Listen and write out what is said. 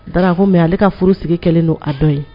Dara a ko mais ale ka furu sigi kɛlen don a dɔ ye